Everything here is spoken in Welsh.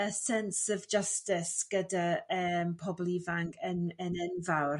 y sense of justice gyda eem pobl ifanc yn yn enfawr